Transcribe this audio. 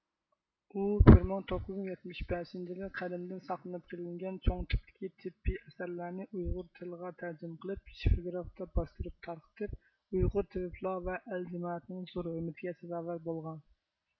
ئۇ بىر مىڭ توققۇز يۈز يەتمىش بەشىنچى يىلى قەدىمدىن ساقلىنىپ كېلىنگەن چوڭ تىپتىكى تىببىي ئەسەرلەرنى ئۇيغۇر تىلىغا تەرجىمە قىلىپ شىفىگرافتا باستۇرۇپ تارقىتىپ ئۇيغۇر تېۋىپلار ۋە ئەل جامائەتنىڭ زور ھۆرمىتىگە سازاۋەر بولغان